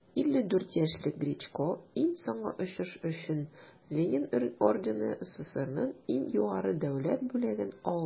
54 яшьлек гречко иң соңгы очыш өчен ленин ордены - сссрның иң югары дәүләт бүләген алды.